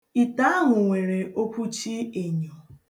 Ite ahụ nwere okwuchi enyo.